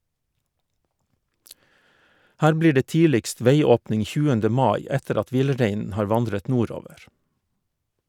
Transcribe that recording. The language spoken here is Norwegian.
Her blir det tidligst veiåpning 20. mai etter at villreinen har vandret nordover.